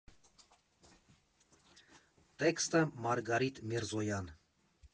Տեքստը՝ Մարգարիտ Միրզոյան։